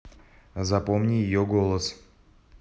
запомни ее голос